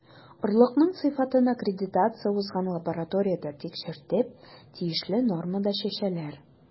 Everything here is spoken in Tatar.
Орлыкның сыйфатын аккредитация узган лабораториядә тикшертеп, тиешле нормада чәчәләр.